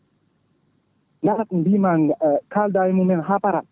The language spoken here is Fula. kala ko mbima kalda e mumen ha paara